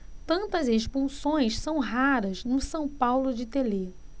tantas expulsões são raras no são paulo de telê